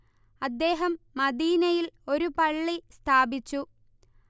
അദ്ദേഹം മദീനയിൽ ഒരു പള്ളി സ്ഥാപിച്ചു